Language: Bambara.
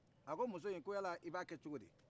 a ko muso in ko yala i b'a kɛ cogodi